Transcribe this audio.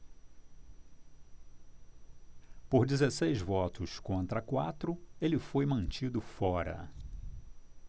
por dezesseis votos contra quatro ele foi mantido fora